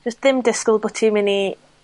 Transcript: do's dim disgwl bo' ti myn' i